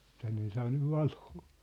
tänne ei saa nyt valoa